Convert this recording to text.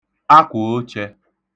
akwòochẹ̄